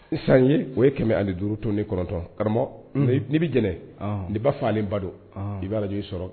San ye o ye kɛmɛ ali duuru to ni kɔnɔntɔn karamɔgɔ n' bɛ jɛnɛ n ba fagaale ba don i'j sɔrɔ